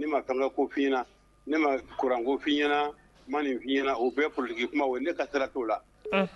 Ne ma kamalen ko fɲɛna ne ma kurankofin ɲɛnaɲɛna ma ninfin ɲɛnaɲɛna o bɛɛ foliki kuma ye ne ka taa too la